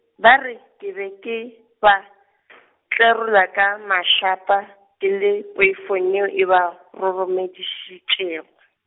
ba re, ke be ke, ba , tlerola ka mahlapa, ke le poifong yeo e ba, roromedišitšego.